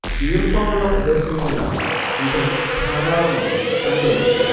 ഈർപ്പമുള്ള പ്രദേശങ്ങളിലാണ് ഇത് ധാരാളമായി കണ്ടുവരുന്നത്